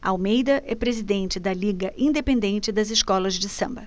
almeida é presidente da liga independente das escolas de samba